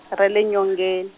ra le nyongen-.